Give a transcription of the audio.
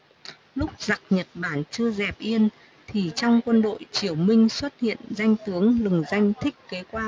lúc giặc nhật bản chưa dẹp yên thì trong quân đội triều minh xuất hiện danh tướng lừng danh thích kế quang